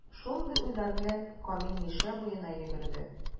Шундый уйлар белән, Камил Мишә буена йөгерде.